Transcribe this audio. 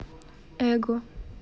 ego